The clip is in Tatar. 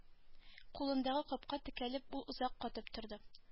Кулындагы капка текәлеп ул озак катып торды